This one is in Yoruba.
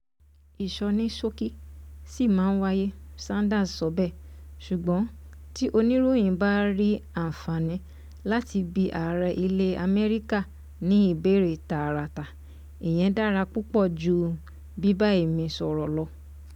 Ìsọnísókí sì máa wáyé, Sanders sọ bẹ́ẹ̀, ṣùgbọ́n “tí oníròyìn bá rí àǹfààní láti bi ààrẹ ilẹ̀ Amẹ́ríkà ní ìbéèrè tààràtà, ìyẹn dára púpọ̀ jú bíbá èmi sọ̀rọ̀ lọ.